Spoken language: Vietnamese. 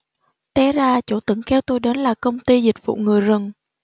té ra chỗ tửng kéo tôi đến là công ty dịch vụ người rừng